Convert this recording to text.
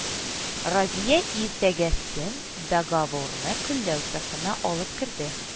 Разия иртәгесен договорны көлләү цехына алып керде